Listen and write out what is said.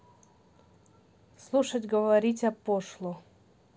слушать говорить о пошло